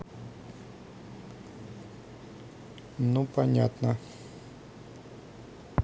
ну понятно